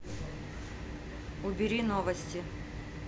убери новости